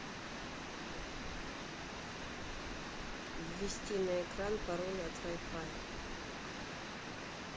ввести на экран пароль от вай фая